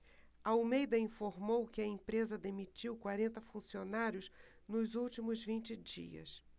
almeida informou que a empresa demitiu quarenta funcionários nos últimos vinte dias